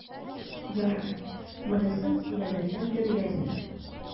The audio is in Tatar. Ярар, монысын сөйләмәсәм дә беләсең.